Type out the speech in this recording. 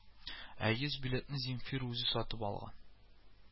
Ә йөз билетны Земфира үзе сатып алган